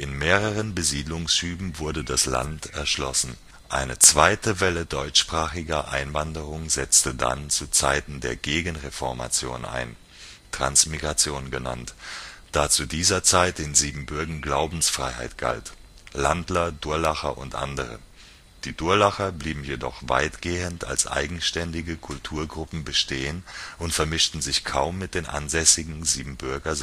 mehreren Besiedelungsschüben wurde das Land erschlossen. Eine zweite Welle deutschsprachiger Einwanderung setzte dann zu Zeiten der Gegenreformation ein („ Transmigration “), da zu dieser Zeit in Siebenbürgen Glaubensfreiheit galt (Landler, Durlacher u.a.). Die Durlacher blieben jedoch weitgehend als eigenständige Kulturgruppen bestehen und vermischten sich kaum mit den ansässigen Siebenbürger Sachsen